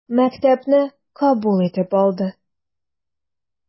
Мәктәпне кабул итеп алды.